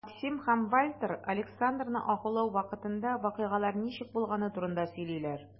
Максим һәм Вальтер Александрны агулау вакытында вакыйгалар ничек булганы турында сөйлиләр.